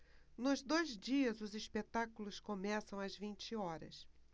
nos dois dias os espetáculos começam às vinte horas